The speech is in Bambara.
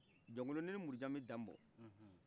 jɔkoloni ni murujan bɛ danbɔ